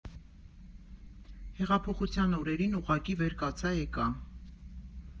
Հեղափոխության օրերին ուղղակի վեր կացա, եկա։